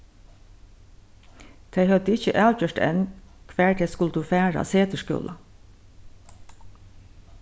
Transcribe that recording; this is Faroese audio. tey høvdu ikki avgjørt enn hvar tey skuldu fara á setursskúla